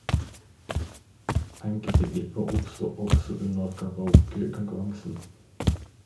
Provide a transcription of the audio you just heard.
Enkelte glipper oppstod også under karaoke-konkurransen.